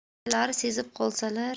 adalari sezib qolsalar